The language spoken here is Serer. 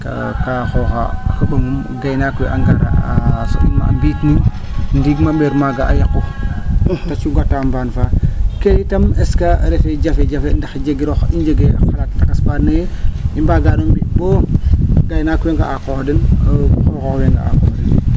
kaa xooxaa a ko? a muum gaaynaak we a ngara a so?in maaga a mbiitnin ndiing ma ?eer maaga a yaqu te cunga ta mbaan faa keene itam est que refee jafe-jefe ndax jegiro i njegee xalat fa lakas faa andoona yee i mbaaga no mbi' boo gaynaak we nga'a a qoox den qooxoox we nga' a aqoox den